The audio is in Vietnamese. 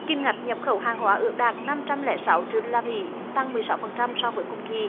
kim ngạch nhập khẩu hàng hóa ước đạt năm trăm lẻ sáu triệu đô la mỹ tăng mười sáu phần trăm so với cùng kỳ